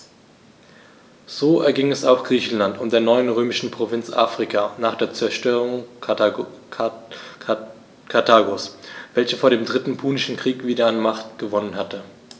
So erging es auch Griechenland und der neuen römischen Provinz Afrika nach der Zerstörung Karthagos, welches vor dem Dritten Punischen Krieg wieder an Macht gewonnen hatte.